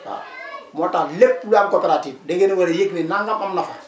waaw moo tax lépp lu am coopérative da ngeen a war a yëg ne nangam am na fa